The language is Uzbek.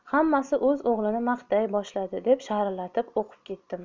hammasi o'z o'g'lini maqtay boshladi deb sharillatib o'qib ketdim